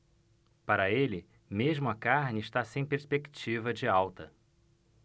para ele mesmo a carne está sem perspectiva de alta